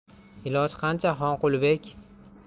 iloj qancha xonqulibek